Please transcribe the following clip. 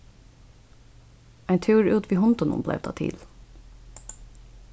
ein túr út við hundinum bleiv tað til